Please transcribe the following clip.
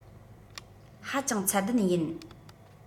ཧ ཅང ཚད ལྡན ཡིན